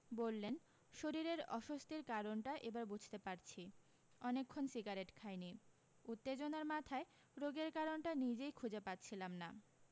বললেন শরীরের অস্বস্তির কারণটা এবার বুঝতে পারছি অনেকক্ষণ সিগারেট খাইনি উত্তেজনার মাথায় রোগের কারণটা নিজই খুঁজে পাচ্ছিলাম না